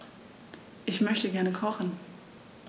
Ich möchte gerne kochen.